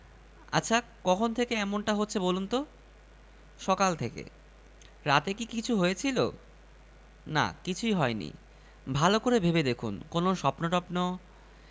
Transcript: আপনার বুকে কি কাঁপুনি দেয়নি একদম যে দেয়নি তা নয় তাহলে তো হলোই কী হলো আরে ভাই আপনার রহস্য উম্মোচিত হলো আপনি আসলে প্রেমে ব্যর্থ হয়েছেন